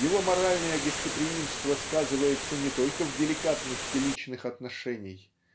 его моральное гостеприимство сказывается не только в деликатности личных отношений